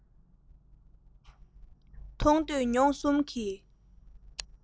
མཐོས ཐོས མྱོང གསུམ གྱི